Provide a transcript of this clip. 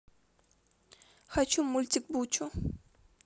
хочу мультик бубу